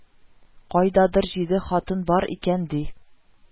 "кайдадыр җиде хатын бар икән, ди